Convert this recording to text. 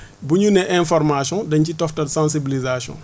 bu ñu ne information dañ ciy toftal sensibilisation